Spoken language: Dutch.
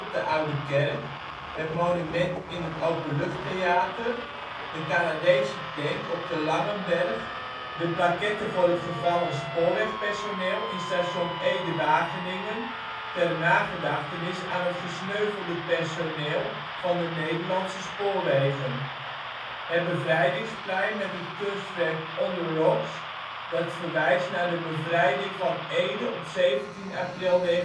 de Oude Kerk Monument in openluchttheater Canadese Tank op de Langenberg Plaquette voor het Gevallen Spoorwegpersoneel in Station Ede-Wageningen; ter nagedachtenis aan het gesneuvelde personeel van de Nederlandse Spoorwegen. Het Bevrijdingsplein met het kunstwerk On The Rocks, dat verwijst naar de bevrijding van Ede op 17 april 1945